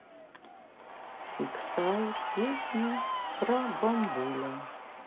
фиксай песня про бамбуля